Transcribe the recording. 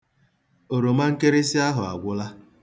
Oromankịrịsị ahụ agwụla.